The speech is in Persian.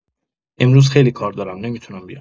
امروز خیلی کار دارم نمی‌تونم بیام